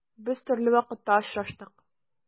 Без төрле вакытта очраштык.